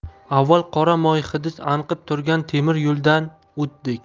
avval qora moy hidi anqib turgan temir yo'ldan o'tdik